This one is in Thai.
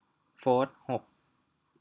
โฟธหก